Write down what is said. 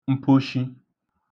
mposhi